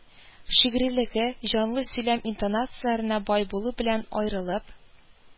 Шигърилеге, җанлы сөйләм интонацияләренә бай булуы белән аерылып